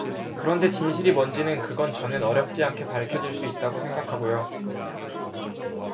그런데 진실이 뭔지는 그건 저는 어렵지 않게 밝혀질 수 있다고 생각하고요